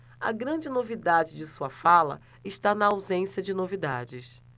a grande novidade de sua fala está na ausência de novidades